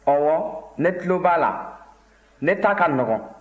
ɔwɔ ne tulo b'a la ne ta ka nɔgɔn